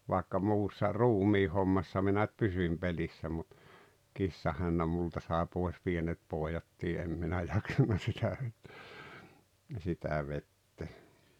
vaikka muussa ruumiinhommassa minä nyt pysyin pelissä mutta kissahännän minulta sai pois pienet pojatkin en minä jaksanut sitä - sitä vetää